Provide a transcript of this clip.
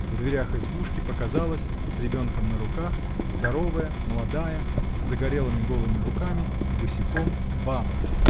В дверях избушки показалась, с ребенком на руках, здоровая, молодая, с загорелыми голыми руками и босиком баба.